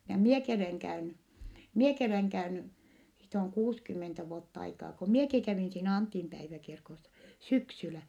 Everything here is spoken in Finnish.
ja minäkin olen käynyt minäkin olen käynyt siitä on kuusikymmentä vuotta aikaa kun minäkin kävin siinä Antinpäiväkirkossa syksyllä